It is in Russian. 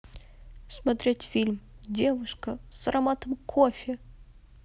смотреть фильм девушка с ароматом кофе